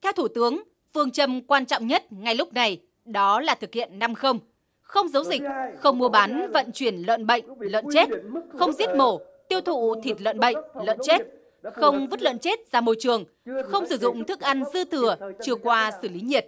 theo thủ tướng phương châm quan trọng nhất ngay lúc này đó là thực hiện năm không không giấu dịch không mua bán vận chuyển lợn bệnh lợn chết không giết mổ tiêu thụ thịt lợn bệnh lợn chết không vứt lợn chết ra môi trường không sử dụng thức ăn dư thừa chưa qua xử lý nhiệt